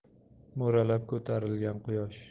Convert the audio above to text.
mo'ralab ko'tarilgan quyosh